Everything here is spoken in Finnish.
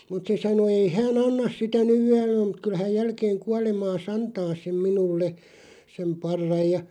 mutta se sanoi ei hän anna sitä nyt vielä mutta kyllä hän jälkeen kuolemaansa antaa sen minulle sen parran ja